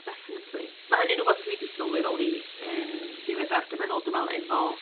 Definitely ma' hynny'n wbath dwi 'di sylweddoli yn ddiweddar dwi meddwl dwi me'wl efo